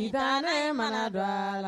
I mana don la